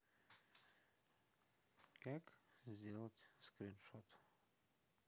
как сделать скриншот